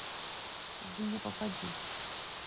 в не попади